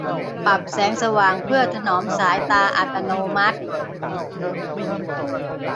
ปรับแสงสว่างเพื่อถนอมสายตาอัตโนมัติ